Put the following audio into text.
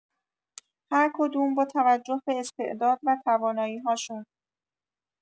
هرکدوم با توجه به استعداد و توانایی‌هاشون